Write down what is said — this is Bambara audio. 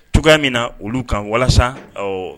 Cogoya min na olu kan, walasa